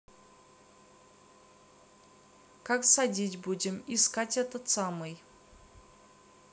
как садить будем искать этот самый